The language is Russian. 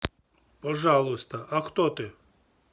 пожалуйста а кто то